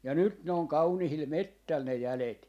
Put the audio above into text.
ja nyt ne on kauniilla metsällä ne jäljet